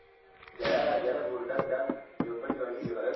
gala gala bo'rilar bir joyga yig'ilib